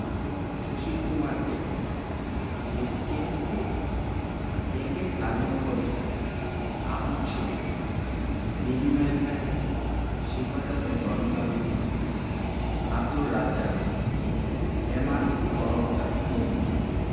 Sushil Kumar De SK De AK Nazmul Karim Ahmad Sharif Nilima Ibrahim শিল্পাচার্য Zainul Abedin Abdur Razzaq MR Tarafdar প্রমুখ